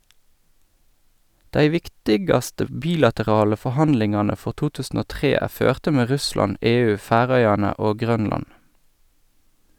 Dei viktigaste bilaterale forhandlingane for 2003 er førte med Russland, EU, Færøyane og Grønland.